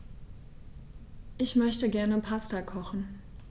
Ich möchte gerne Pasta kochen.